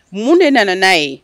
Mun de nana n'a ye